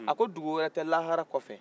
a ko dugu wɛrɛ tɛ lahara kɔfɛ